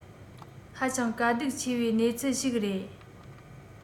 ཧ ཅང དཀའ སྡུག ཆེ བའི གནས ཚུལ ཞིག རེད